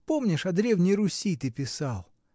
Помнишь, о древней Руси ты писал?.